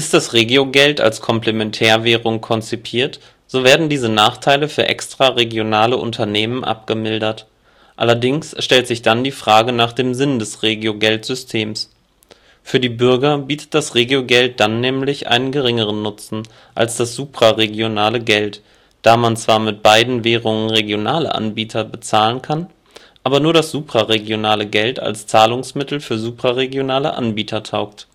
das Regiogeld als Komplementärwährung konzipiert, so werden diese Nachteile für extraregionale Unternehmen abgemildert. Allerdings stellt sich dann die Frage nach dem Sinn des Regiogeldsystems; für die Bürger bietet das Regiogeld dann nämlich einen geringeren Nutzen als das supraregionale Geld, da man zwar mit beiden Währungen regionale Anbieter bezahlen kann, aber nur das supraregionale Geld als Zahlungsmittel für supraregionale Anbieter taugt